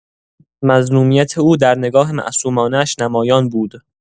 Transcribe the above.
مظلومیت او در نگاه معصومانه‌اش نمایان بود.